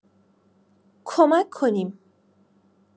کمک کنیم.